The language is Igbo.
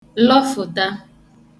lọfụ̀ta